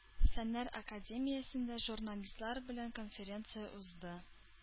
Фәннәр академиясендә журналистлар белән конференция узды.